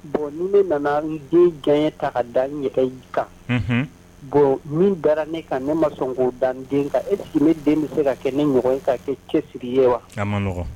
Bon n ne nana den jan ye ta ka dan ɲɛ kan bɔn min taara ne ka ne ma sɔn k koo dan kan eseke ne den bɛ se ka kɛ ne ɲɔgɔn ye ka kɛ cɛ siri ye wa